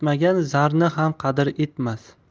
zarni ham qadr etmas